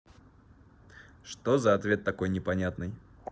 что за ответ такой непонятный